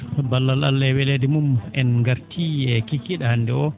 ballal Allah e weleede mum en ngarti e kiikii?e hannde oo